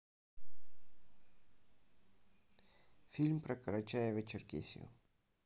фильм про карачаева черкесию